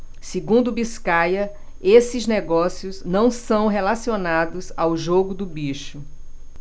segundo biscaia esses negócios não são relacionados ao jogo do bicho